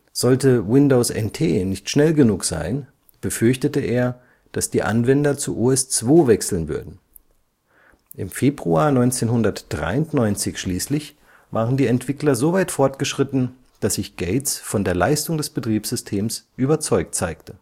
Sollte Windows NT nicht schnell genug sein, befürchtete er, dass die Anwender zu OS/2 wechseln würden. Im Februar 1993 schließlich waren die Entwickler so weit fortgeschritten, dass sich Gates von der Leistung des Betriebssystems überzeugt zeigte